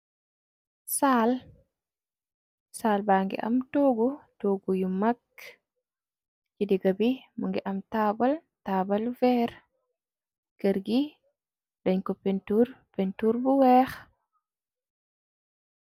Saal ba ngi am toogu toogu yu magg ci diga bi. Mu ngi am taabal taabal weer. Kër gi dañ ko pintur bu weex.